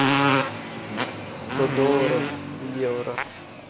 сто долларов в евро